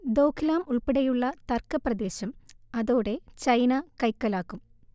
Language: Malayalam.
ദോഘ്ലാം ഉൾപ്പെടെയുള്ള തർക്കപ്രദേശം അതോടെ ചൈന കൈക്കലാക്കും